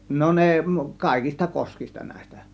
no ne kaikista koskista näistä